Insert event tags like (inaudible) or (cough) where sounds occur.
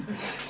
(hesitation) (hesitation)